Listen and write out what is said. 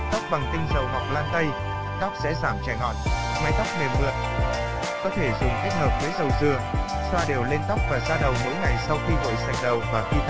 thường xuyên chăm sóc tóc bằng tinh dầu ngọc lan tây tóc sẽ giảm chẻ ngọn mái tóc mềm mượt có thể dùng kết hợp với dầu dừa xoa đều lên tóc và da đầu mỗi ngày sau khi gội sạch đầu và khi tóc còn ẩm